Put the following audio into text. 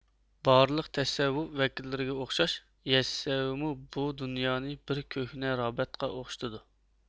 بارلىق تەسەۋۋۇپ ۋەكىللىرىگە ئوخشاش يەسسەۋىمۇ بۇ دۇنيانى بىر كۆھنە رابات قا ئوخشىتىدۇ